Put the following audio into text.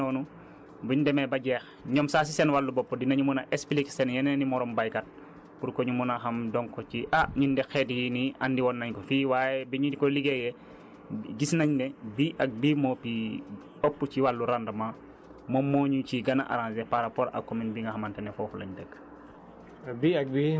donc yooyu noonu buñ demee ba jeex ñoom sax si seen wàllu bopp dinañu mën a expliquer seen yeneen i moroom baykat pour que ñu mën a xam donc ci ah ñun de xeet yii nii andi woon nañ ko fii waaye bi ñu ko liggéeyee gis nañ ne bii ak bii moo fi ëpp ci wàllu rendement moom moo ñu ci gën a arrangé par rapport ak commune bi nga xamante ne foofu la ñu dëkk